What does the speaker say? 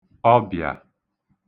ọbị̀à